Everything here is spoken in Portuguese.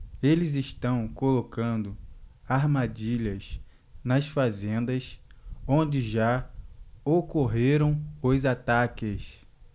eles estão colocando armadilhas nas fazendas onde já ocorreram os ataques